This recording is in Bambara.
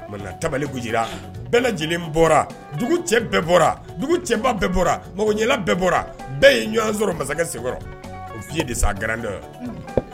Tabale gosira, bɛɛ lajɛlen bɔra, dugu cɛ bɛɛ bɔra, dugu cɛba bɛɛ bɔra, magoɲɛna bɛɛ bɔra, bɛɛ ye ɲɔgɔn sɔrɔ masakɛ senkɔrɔ, au pied de sa grandeur